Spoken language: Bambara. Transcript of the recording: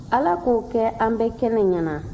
ala k'o kɛ an bɛɛ kɛnɛ ɲɛ na